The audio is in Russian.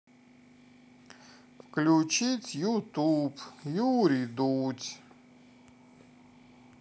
включить ютуб юрий дудь